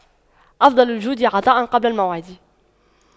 أفضل الجود العطاء قبل الموعد